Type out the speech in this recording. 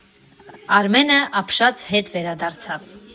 Արմենը ապշած հետ վերադարձավ։